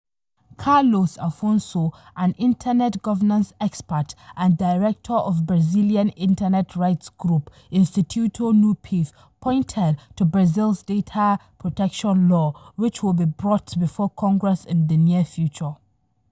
Carlos Afonso, an Internet governance expert and director of Brazilian Internet rights group Instituto Nupef, pointed to Brazil's Data Protection Law, which will be brought before Congress in the near future.